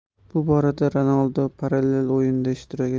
bu borada ronaldu parallel o'yinda ishtirok